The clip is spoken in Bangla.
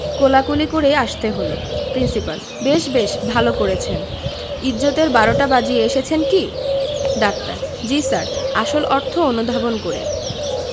কোলাকুলি করেই আসতে হলো প্রিন্সিপাল বেশ বেশ ভালো করেছেন ইজ্জতের বারোটা বাজিয়ে এসেছেন কি ডাক্তার জ্বী স্যার আসল অর্থ অনুধাবন করে